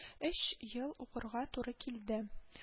Өч ел укырга туры килде